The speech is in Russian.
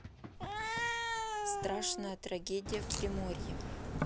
страшная трагедия в приморье